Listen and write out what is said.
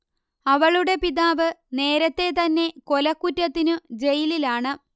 അവളുടെ പിതാവ് നേരത്തെ തന്നെ കൊലക്കുറ്റത്തിനു ജയിലിലാണ്